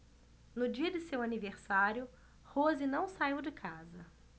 no dia de seu aniversário rose não saiu de casa